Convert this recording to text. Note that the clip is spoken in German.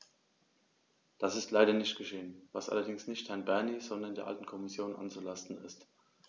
Das ist leider nicht geschehen, was allerdings nicht Herrn Bernie, sondern der alten Kommission anzulasten ist.